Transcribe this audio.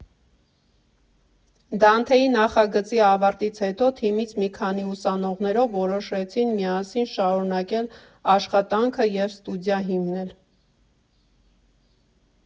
Դանթեի նախագծի ավարտից հետո թիմից մի քանի ուսանողներով որոշեցին միասին շարունակել աշխատանքը և ստուդիա հիմնել։